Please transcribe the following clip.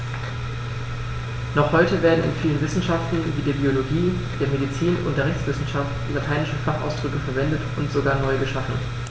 Noch heute werden in vielen Wissenschaften wie der Biologie, der Medizin und der Rechtswissenschaft lateinische Fachausdrücke verwendet und sogar neu geschaffen.